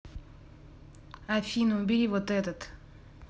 афина убери вот этот